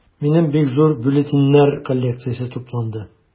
Минем бик зур бюллетеньнәр коллекциясе тупланды.